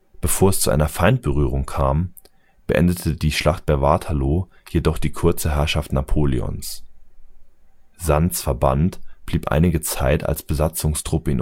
Bevor es zu einer Feindberührung kam, beendete die Schlacht bei Waterloo jedoch die kurze Herrschaft Napoleons. Sands Verband blieb einige Zeit als Besatzungstruppe